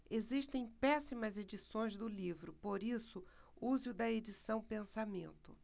existem péssimas edições do livro por isso use o da edição pensamento